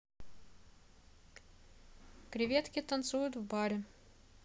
креветки танцуют в баре